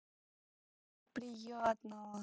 а мне как приятно